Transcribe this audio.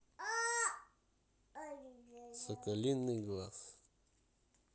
соколиный глаз